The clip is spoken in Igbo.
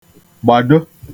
gbàdo